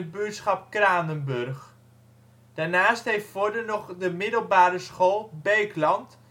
buurtschap Kranenburg). Daarnaast heeft Vorden nog de middelbare school ' t Beeckland